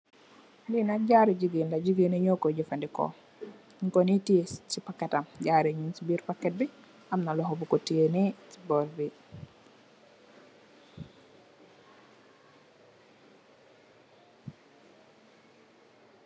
Lii nak jaarou gigain la, gigain njee njur koi jeufandehkor, munkoh nii tiyeh cii packetam, jaarou yii njung cii birr packet bii, amna lokhor bukor tiyeh nii, cii bohrr bii.